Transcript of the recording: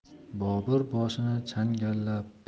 bobur boshini changallab